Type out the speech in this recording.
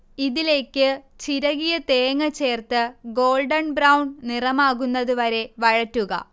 ഇതിലേക്ക് ചിരകിയ തേങ്ങ ചേർത്ത് ഗോൾഡൻ ബ്രൗൺ നിറമാകുന്നതുവരെ വഴറ്റുക